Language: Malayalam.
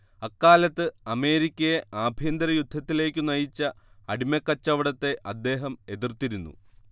അക്കാലത്ത് അമേരിക്കയെ ആഭ്യന്തരയുദ്ധത്തിലേയ്ക്കു നയിച്ച അടിമക്കച്ചവടത്തെ അദ്ദേഹം എതിർത്തിരുന്നു